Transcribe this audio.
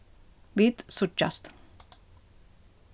vit síggjast